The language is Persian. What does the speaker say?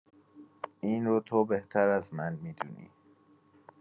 این رو تو بهتر از من می‌دونی.